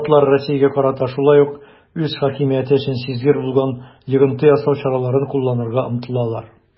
Штатлар Россиягә карата шулай ук үз хакимияте өчен сизгер булган йогынты ясау чараларын кулланырга омтылалар.